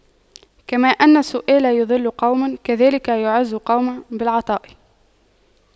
كما أن السؤال يُذِلُّ قوما كذاك يعز قوم بالعطاء